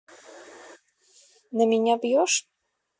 на меня бьешь